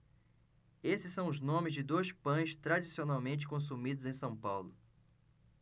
esses são os nomes de dois pães tradicionalmente consumidos em são paulo